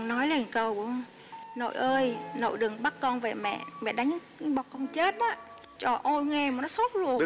nói lên câu á nội ơi nội đừng bắt con về mẹ mẹ đánh bo con chết á trộ ôi nghe mà nó xót ruột